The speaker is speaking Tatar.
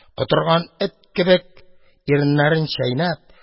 Котырган эт кебек, иреннәрен чәйнәп: